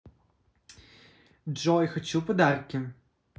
джой хочу подарки